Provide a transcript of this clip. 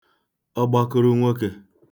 ọgbakụrụ nwokē